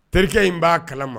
Terikɛ in b'a kalama